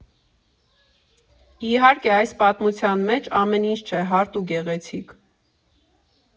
Իհարկե, այս պատմության մեջ ամեն ինչ չէ հարթ ու գեղեցիկ։